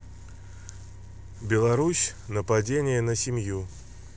беларусь нападение на семью